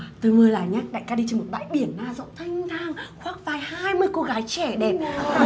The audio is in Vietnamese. tôi mơ là nhớ đại ca đi trên một bãi biển rộng thênh thang khoác vai hai mươi cô gái trẻ đẹp